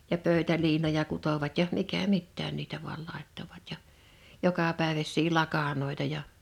ja pöytäliinoja kutoivat ja mikä mitäkin niitä vain laittoivat ja jokapäiväisiä lakanoita ja